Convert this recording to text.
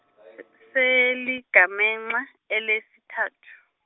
seligamenxe, elesithathu.